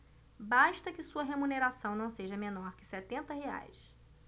basta que sua remuneração não seja menor que setenta reais